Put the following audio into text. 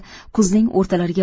kuzning o'rtalariga